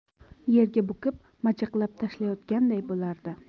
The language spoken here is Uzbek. yerga bukib majaqlab tashlayotganday bo'lardi